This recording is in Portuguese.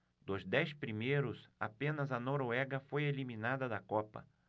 dos dez primeiros apenas a noruega foi eliminada da copa